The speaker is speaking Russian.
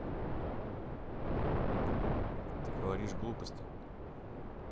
ты говоришь глупости